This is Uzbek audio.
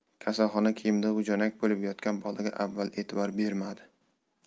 kasalxona kiyimida g'ujanak bo'lib yotgan bolaga avval e'tibor bermadi